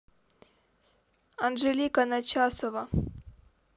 анжелика начесова